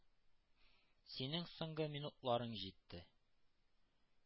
— синең соңгы минутларың җитте.